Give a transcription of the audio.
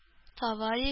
Товарищ